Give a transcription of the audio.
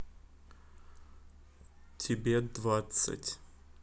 тебе двадцать